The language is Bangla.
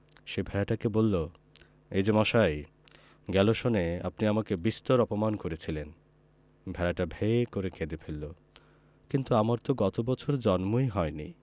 সে ভেড়াটাকে বলল এই যে মশাই গেল সনে আপনি আমাকে বিস্তর অপমান করেছিলেন ভেড়াটা ভ্যাঁ করে কেঁদে ফেলল কিন্তু আমার তো গত বছর জন্মই হয়নি